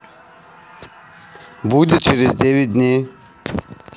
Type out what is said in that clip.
будет через девять дней